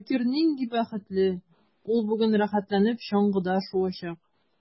Шакир нинди бәхетле: ул бүген рәхәтләнеп чаңгыда шуачак.